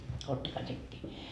ottakaa sekin